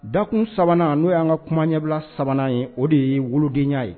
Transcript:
Da kun sabanan n'o y'an ka kumaɲɛbila sabanan ye o de ye wudenya ye